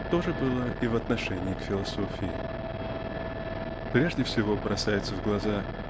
То же было и в отношении к философии. Прежде всего бросается в глаза